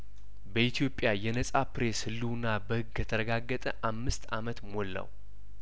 በኢትዮጵያ የነጻ ፕሬስ ህልውና በህግ ከተረጋገጠ አምስት አመት ሞላው